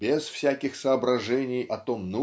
без всяких соображений о том